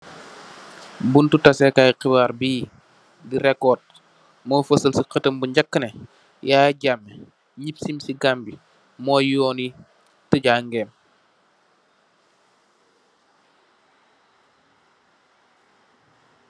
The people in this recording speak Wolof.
Butti tas kayi xibarr yi di record mo fasal ci xatam bu njak neh , Yaya Jammeh njepsim Gambia moi yonu tajangem.